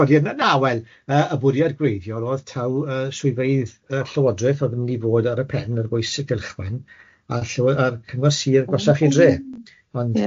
ond na wel y y bwriad gwreiddiol o'dd taw yy swyddfeydd y llywodraeth o'dd yn mynd i fod ar y pen ar bwys y gylchfaen a llyw- ar cyngor Sir 'gosach i'r dre, ond